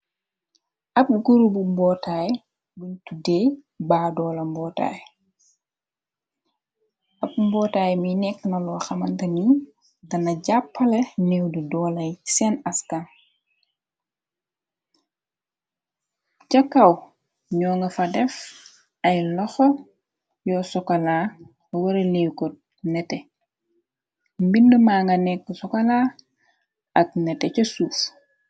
Ab guru bu mbootaay guñ tuddee baa doola mbootaay ab mbootaay mi nekk naloo xamanta ni dana jàppala neew du doolay seen askan ca kaw ñoo nga fa def ay loxo yoo sokolaa wareleew ko nete mbind ma nga nekk sokalaa ak nete ca suus.